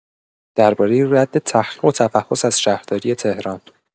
درباره رد تحقیق و تفحص از شهرداری تهران